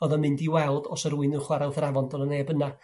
O'dd yn mynd i weld os o' r'wun yn chwara' wrth yr afon do' 'na neb yna.